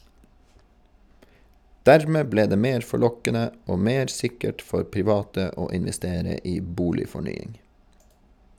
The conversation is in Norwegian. Dermed ble det mer forlokkende og mer sikkert for private å investere i boligfornying.